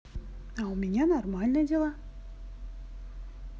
а у меня нормально дела